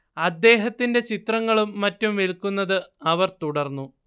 അദ്ദേഹത്തിന്റെ ചിത്രങ്ങളും മറ്റും വിൽക്കുന്നത് അവർ തുടർന്നു